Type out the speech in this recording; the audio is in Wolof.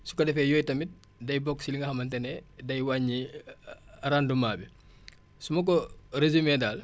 su ko defee yooyu tamit day bokk si li nga xamante ne day wàññi rendement bi su ma ko résumé daal